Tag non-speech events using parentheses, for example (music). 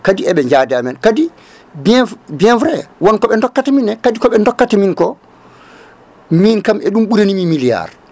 kadi eɓe jaade amen kadi bien (hesitation) bien vrai wonkoɓe dokkata minen kadi koɓe dokkta minko min kam e ɗum ɓuranimi milliard